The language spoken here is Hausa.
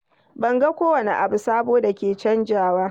Ban ga kowane abu sabo da ke canjawa."